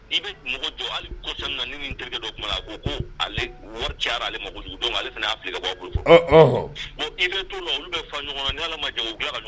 N bɛ mɔgɔ jɔ ni min terikɛ dɔ tuma ko ko ale wari cayara ale mako don ale fana' fili ka bɔ bon i bɛ to olu bɛ fa ɲɔgɔn ala ma jan ka